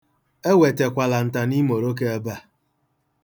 Ewetakwala ntaniimoloko ebe a.